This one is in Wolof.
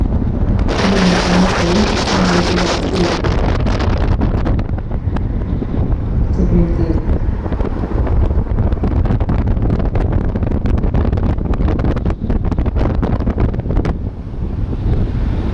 Niñ yi ak moto nyi ñuygi dugasa feeri bi, ci biir géej be